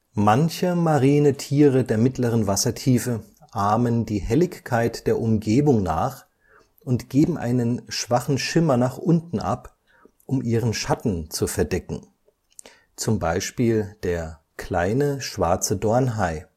Manche marine Tiere der mittleren Wassertiefe ahmen die Helligkeit der Umgebung nach und geben einen schwachen Schimmer nach unten ab, um ihren Schatten zu verdecken, z. B. der Kleine Schwarze Dornhai